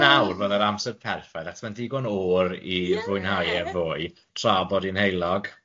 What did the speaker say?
A nawr fydde'r amser perffeth achos ma'n ddigon oer i fwynhau e fwy tra bod hi'n heulog.